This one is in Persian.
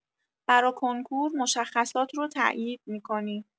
برا کنکور مشخصات رو تایید می‌کنی.